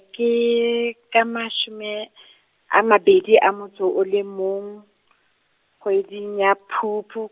ke, ka mashome, a mabedi a motso o le mong , kgweding ya Phupu.